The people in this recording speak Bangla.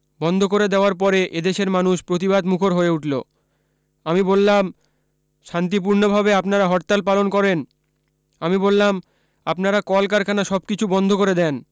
বন্ধ করে দেওয়ার পরে এদেশের মানুষ প্রতিবাদ মুখর হয়ে উঠলো আমি বললাম শান্তিপূর্ণভাবে আপনারা হরতাল পালন করেন আমি বললাম আপনারা কল কারখানা সবকিছু বন্ধ করে দেন